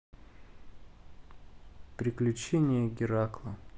приключения геракла